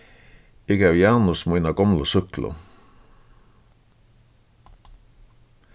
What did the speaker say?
eg gav janus mína gomlu súkklu